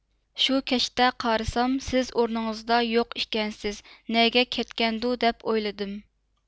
شۇ كەچتە قارىسام سىز ئورنىڭىزدا يوق ئىكەنسىز نەگ كەتكەندۇ دەپ ئويلىدىم